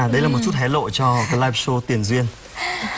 à đấy là một chút hé lộ cho lai sâu tiền duyên